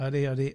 Odi, odi.